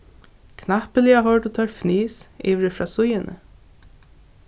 knappliga hoyrdu teir fnis yviri frá síðuni